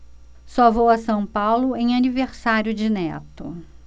só vou a são paulo em aniversário de neto